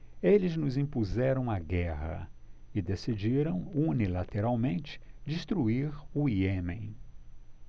eles nos impuseram a guerra e decidiram unilateralmente destruir o iêmen